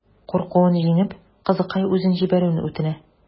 Куркуын җиңеп, кызыкай үзен җибәрүен үтенә.